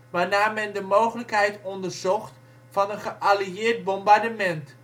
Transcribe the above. waarna men de mogelijkheid onderzocht van een geallieerd bombardement